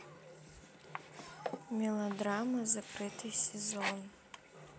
мелодрама закрытый сезон